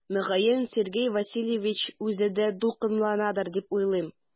Мөгаен Сергей Васильевич үзе дә дулкынланадыр дип уйлыйм.